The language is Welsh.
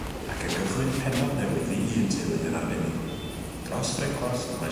Ac yn gychwyn pennod newydd i un teulu yn arbennig dros frecwast mae...